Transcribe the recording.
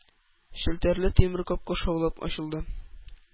Челтәрле тимер капка шаулап ачылды.